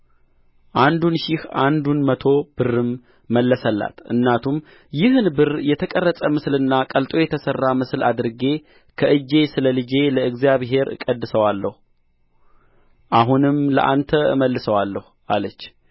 አንዱን ሺህ አንዱን መቶ ብርም መለሰላት እናቱም ይህን ብር የተቀረጸ ምስልና ቀልጦ የተሠራ ምስል አድርጌ ከእጄ ስለ ልጄ ለእግዚአብሔር እቀድሰዋለሁ አሁንም ለአንተ እመልሰዋለሁ አለች